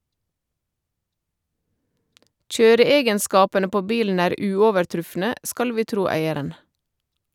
Kjøreegenskapene på bilen er uovertrufne, skal vi tro eieren.